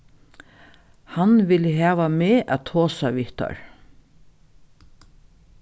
hann vil hava meg at tosa við teir